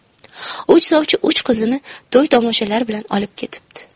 uch sovchi uch qizini to'y tomoshalar bilan olib ketibdi